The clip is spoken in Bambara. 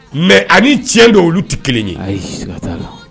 Mɛ ani tiɲɛ don olu tɛ kelen ye